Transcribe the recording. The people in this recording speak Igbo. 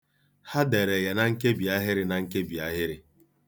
Ha dere ya na nkebiahịrị na nkebiahịrị.